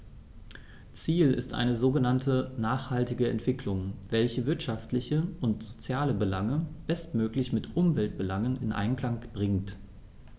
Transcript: Ziel ist eine sogenannte nachhaltige Entwicklung, welche wirtschaftliche und soziale Belange bestmöglich mit Umweltbelangen in Einklang bringt.